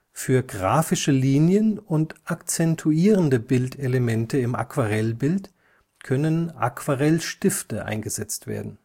Für grafische Linien und akzentuierende Bildelemente im Aquarellbild können Aquarellstifte eingesetzt werden